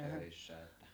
töissä että